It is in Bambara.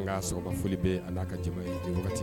An ka sɔgɔma foli bee a n'a ka jama ye nin wagati